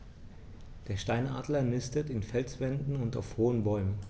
Der Steinadler nistet in Felswänden und auf hohen Bäumen.